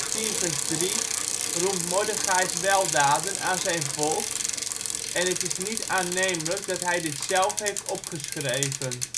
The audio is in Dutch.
Esther 10:3 roemt Mordechais weldaden aan zijn volk, en het is niet aannemelijk dat hij dit zelf heeft opgeschreven